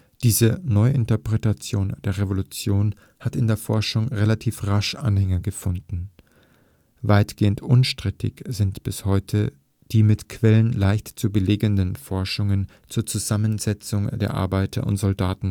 Diese Neuinterpretation der Revolution hat in der Forschung relativ rasch Anhänger gefunden. Weitgehend unstrittig sind bis heute die mit Quellen leicht zu belegenden Forschungen zur Zusammensetzung der Arbeiter - und Soldatenräte